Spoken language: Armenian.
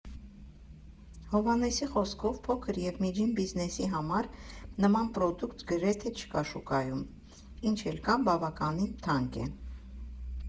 Հովհաննեսի խոսքով՝ փոքր ևմիջին բիզնեսների համար նման պրոդուկտ գրեթե չկա շուկայում, ինչ էլ կա՝ բավականին թանկ է։